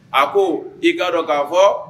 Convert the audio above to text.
A ko, k'i k'a dɔn k'a fɔ